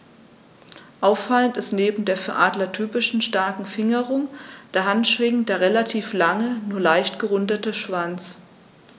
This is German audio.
Auffallend ist neben der für Adler typischen starken Fingerung der Handschwingen der relativ lange, nur leicht gerundete Schwanz.